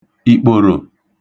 ìkpòrò